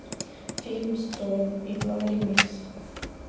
фильм с цоем игла ремикс